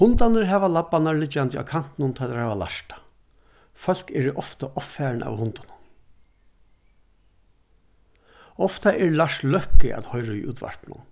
hundarnir hava labbarnar liggjandi á kantinum tá teir hava lært tað fólk eru ofta ovfarin av hundunum ofta er lars løkke at hoyra í útvarpinum